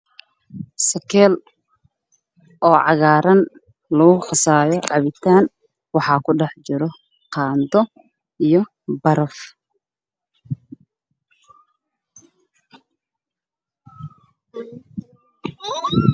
Waa sakeel cagaaran wax akudhex jiro qaado iyo baraf